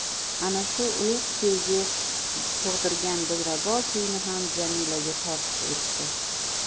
ana shu ulug' sevgi tug'dirgan dilrabo kuyni ham jamilaga tortiq etdi